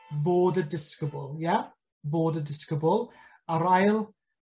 fod y disgybl ia? Fod y disgybl. A'r ail